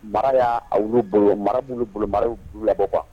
Mara y'aawolu bolo mara b'u bolo marau labɔ kuwa